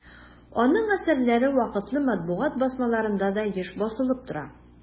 Аның әсәрләре вакытлы матбугат басмаларында да еш басылып тора.